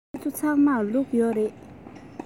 ཁྱེད ཚོ ཚང མར ལུག ཡོད རེད